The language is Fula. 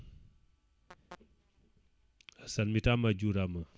a salmitama a juurama